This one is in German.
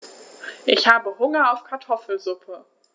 Ich habe Hunger auf Kartoffelsuppe.